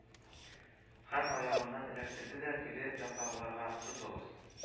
Һәм аягымнан эләктерде дә теге яктагыларга: «тотыгыз